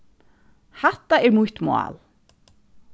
hatta er mítt mál